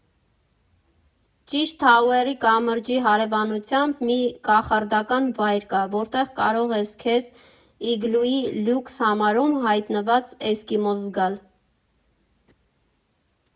Ճիշտ Թաուերի կամրջի հարևանությամբ մի կախարդական վայր կա, որտեղ կարող ես քեզ իգլուի լյուքս համարում հայտնված էսկիմոս զգալ։